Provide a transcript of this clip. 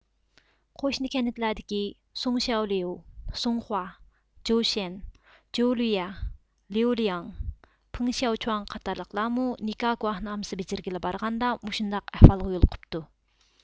قوشنا كەنتلەردىكى سۇڭشياۋليۇ سۇڭخۇا جوۋشەن جوۋلۈييا ليۇلياڭ پېڭ شياۋچۇاڭ قاتارلىقلارمۇ نىكاھ گۇۋاھنامىسى بېجىرگىلى بارغاندا مۇشۇنداق ئەھۋالغا يولۇقۇپتۇ